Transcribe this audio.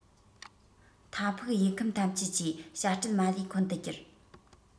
མཐའ ཕུགས ཡུལ ཁམས ཐམས ཅད ཀྱི བྱ སྤྲེལ མ ལུས འཁོན དུ གྱུར